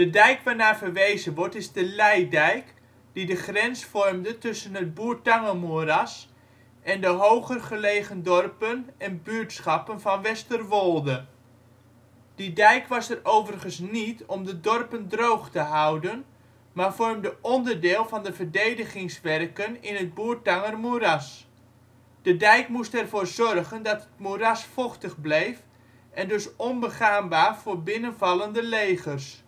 dijk waarna verwezen wordt is de Leidijk, die de grens vormde tussen het Bourtangermoeras en de hoger gelegen dorpen en buurtschappen van Westerwolde. Die dijk was er overigens niet om de dorpen droog te houden, maar vormde onderdeel van de verdedigingswerken in het Bourtangermoeras. De dijk moest er voor zorgen dat het moeras vochtig bleef en dus onbegaanbaar voor binnenvallende legers